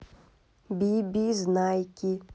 биби знайки